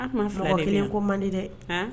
2 de bɛ yan? Mɔgɔ kelen ko man di dɛ; An?